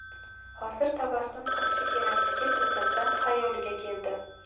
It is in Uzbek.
hozir tabassum qilishi kerakligi to'satdan xayoliga keldi